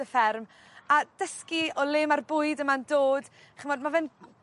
y fferm a dysgu o le ma'r bwyd yma'n dod ch'mod ma' fe'n